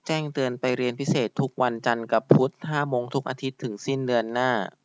แจ้งเตือนไปเรียนพิเศษทุกวันจันทร์กับพุธห้าโมงทุกอาทิตย์ถึงสิ้นเดือนหน้า